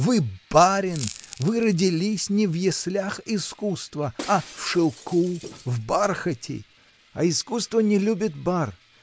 вы — барин, вы родились не в яслях искусства, а в шелку, в бархате. А искусство не любит бар.